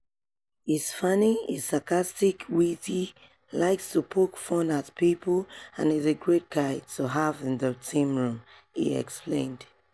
"He's funny, he's sarcastic, witty, likes to poke fun at people, and he's a great guy to have in the team room," he explained.